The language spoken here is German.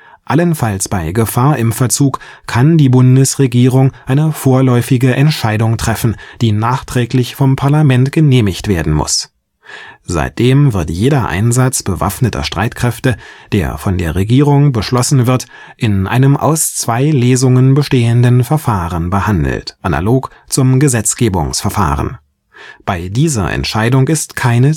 Allenfalls bei Gefahr im Verzug kann die Bundesregierung eine vorläufige Entscheidung treffen, die nachträglich vom Parlament genehmigt werden muss. Seitdem wird jeder Einsatz bewaffneter Streitkräfte, der von der Regierung beschlossen wird, in einem aus zwei Lesungen bestehenden Verfahren behandelt, analog zum Gesetzgebungsverfahren. Bei dieser Entscheidung ist keine